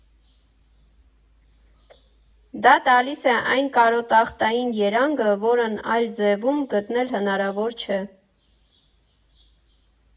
Դա տալիս է այն կարոտախտային երանգը, որն այլ ձևում գտնել հնարավոր չէ։